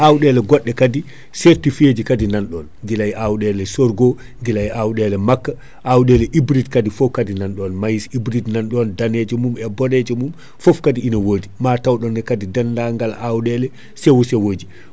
awɗele goɗɗe kaadi certifié kadi nanɗon guilay awɗele soorgo , guilay awɗele makka awɗele hybride kadi foo kadi nanɗon maïs hybride nanɗon daneejo mum e boɗejo mum foof kaadi ina woodi ma tawɗon ne kadi dennangal awɗele sewo sewoji